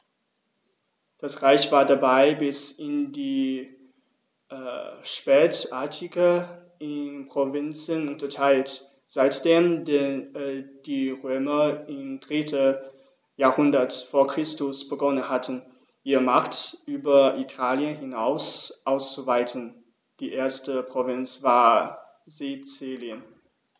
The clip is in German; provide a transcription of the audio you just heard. Das Reich war dabei bis in die Spätantike in Provinzen unterteilt, seitdem die Römer im 3. Jahrhundert vor Christus begonnen hatten, ihre Macht über Italien hinaus auszuweiten (die erste Provinz war Sizilien).